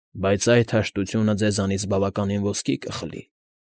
Բայց այդ հաշտությունը ձեզանից բավականին ոսկի կխլի։